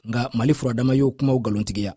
nka mali furadama ye o ko in nkalontigiya